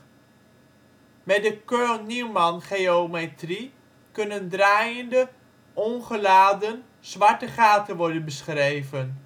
Met de Kerr-Newman geometrie kunnen draaiende (on) geladen zwarte gaten worden beschreven